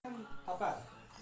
axtargan topar